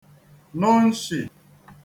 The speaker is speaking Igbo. nụ nshì